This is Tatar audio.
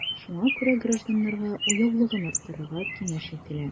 Шуңа күрә гражданнарга уяулыгын арттырыга киңәш ителә.